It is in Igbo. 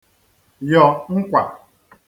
yọ̀ nkwa